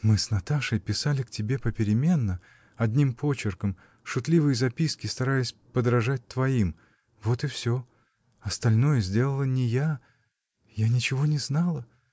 — Мы с Наташей писали к тебе попеременно, одним почерком, шутливые записки, стараясь подражать твоим. Вот и всё. Остальное сделала не я. я ничего не знала!.